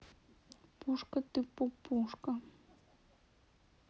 пушка ты пупушка